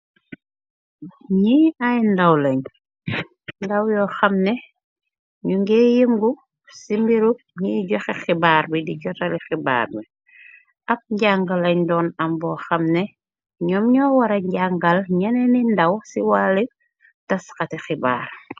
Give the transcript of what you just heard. Ñiy ay ndawlañ ndaw yo xamne ñu nge yimgu ci mbirub niy joxe xibaar bi di jotale xibaar bi ab njanga lañ doon am boo xamne ñoom ñoo wara njangal ñene ni ndaw ci waale tasxati xibaar.